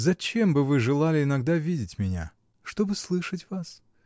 Зачем бы вы желали иногда видеть меня? — Чтоб слышать вас.